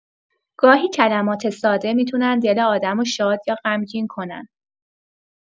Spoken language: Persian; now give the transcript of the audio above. گاهی کلمات ساده می‌تونن دل آدمو شاد یا غمگین کنن.